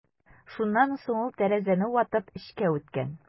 Шуннан соң ул тәрәзәне ватып эчкә үткән.